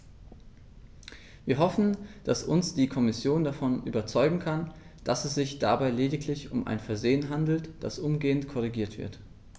Wir hoffen, dass uns die Kommission davon überzeugen kann, dass es sich dabei lediglich um ein Versehen handelt, das umgehend korrigiert wird.